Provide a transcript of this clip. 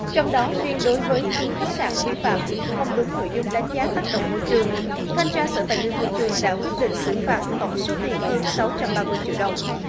trong đó riêng đối với chính khách sạn vi phạm không đúng nội dung đánh giá tác động môi trường thanh tra sở tài nguyên môi trường đã quyết định xử phạt tổng số tiền hơn sáu trăm ba mươi triệu đồng